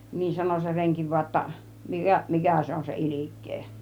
niin sanoi se renki vain jotta - mikä se on se ilkeä